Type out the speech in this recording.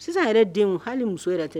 Sisan yɛrɛ den hali muso yɛrɛ ten